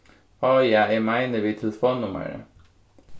áh ja eg meini við telefonnummarið